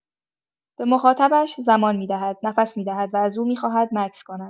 به مخاطبش زمان می‌دهد، نفس می‌دهد و از او می‌خواهد مکث کند.